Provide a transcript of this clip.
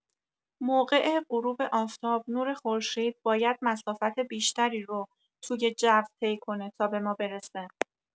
موقع غروب آفتاب، نور خورشید باید مسافت بیشتری رو توی جو طی کنه تا به ما برسه.